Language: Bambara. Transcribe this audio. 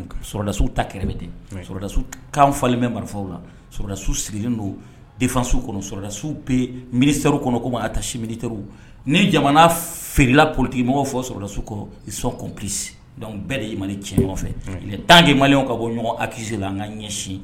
Dasiwdasiw kan falen bɛ marifaw ladasiw sigilen donsiw kɔnɔdasiw bɛ minisɛw kɔnɔ ko ma ka taa si mini tɛ ni jamana feerela politigi mɔgɔw fɔdasiw kosɔnɔn dɔnku bɛɛ de cɛ ɲɔgɔn fɛ tankema ka bɔ ɲɔgɔn akise an ka ɲɛsin